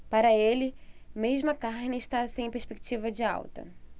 para ele mesmo a carne está sem perspectiva de alta